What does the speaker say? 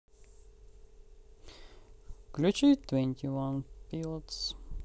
включи твенти он ван пилотс